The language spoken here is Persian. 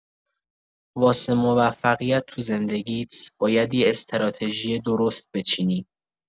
واسه موفقیت تو زندگیت باید یه استراتژی درست بچینی.